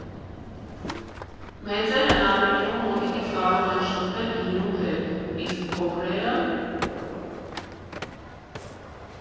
Մեծերն Արենիում մոտիկից կարող են շփվել գինու հետ, իսկ փոքրե՞րը։